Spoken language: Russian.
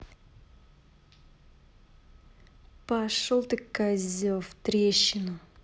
пошел ты козе в трещину